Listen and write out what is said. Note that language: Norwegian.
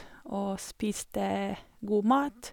Og spiste god mat.